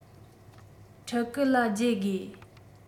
ཕྲུ གུར ལ བརྗེ དགོས